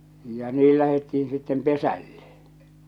ja niin lähdettiin sitten pesälle